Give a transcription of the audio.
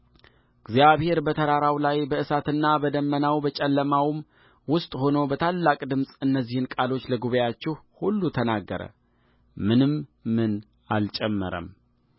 እግዚአብሔር በተራራው ላይ በእሳትና በደመናው በጨለማውም ውስጥ ሆኖ በታላቅ ድምፅ እነዚህን ቃሎች ለጉባኤአችሁ ሁሉ ተናገረ ምንም ምን አልጨመረም